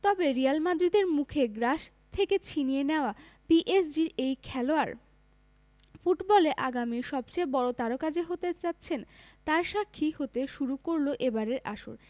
তবে রিয়াল মাদ্রিদের মুখে গ্রাস থেকে ছিনিয়ে নেওয়া পিএসজির এই খেলোয়াড় ফুটবলে আগামীর সবচেয়ে বড় তারকা যে হতে যাচ্ছেন তার সাক্ষী হতে শুরু করল এবারের আসর